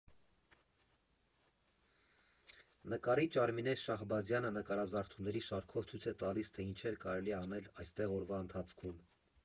Նկարիչ Արմինե Շահբազյանը նկարազարդումների շարքով ցույց է տալիս, թե ինչեր կարելի է անել այստեղ օրվա ընթացքում։